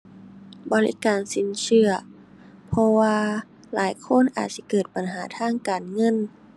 บริการสินเชื่อ เพราะว่าหลายคนอาจสิเกิดปัญหาทางการเงิน